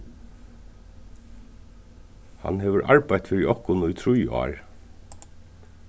hann hevur arbeitt fyri okkum í trý ár